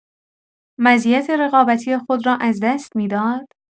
مزیت رقابتی خود را از دست می‌داد؟